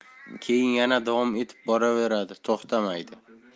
keyin yana davom etib boraveradi to'xtamaydi